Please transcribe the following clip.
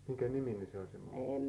minkäniminen se oli se mummo